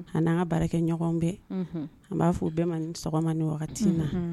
A'an ka baara kɛ ɲɔgɔn bɛɛ an b'a fɔ bɛɛ sɔgɔma ni wagati in na